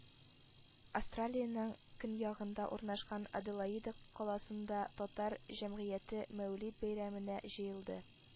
Австралиянең көньягында урнашкан Аделаида каласында татар җәмгыяте Мәүлид бәйрәменә җыелды